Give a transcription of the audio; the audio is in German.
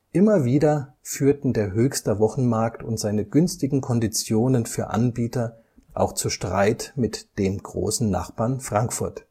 Immer wieder führten der Höchster Wochenmarkt und seine günstigen Konditionen für Anbieter auch zu Streit mit dem großen Nachbarn Frankfurt